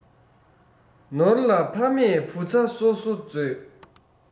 ནོར ལ ཕ མས བུ ཚ གསོ གསོ མཛོད